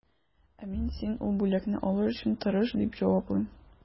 Ә мин, син ул бүләкне алыр өчен тырыш, дип җаваплыйм.